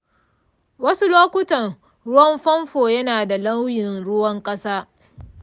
wasu lokutan ruwan famfo yana da launin ruwan kasa.